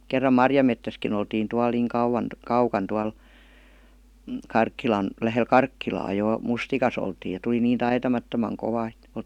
kerran marjametsässäkin oltiin tuolla niin kauan kaukana tuolla mm Karkkilan lähellä Karkkilaa jo mustikassa oltiin ja tuli niin taitamattoman kova että